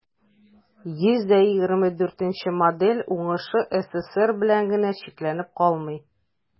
124 нче модель уңышы ссср белән генә чикләнеп калмый.